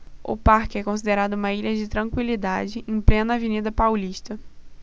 o parque é considerado uma ilha de tranquilidade em plena avenida paulista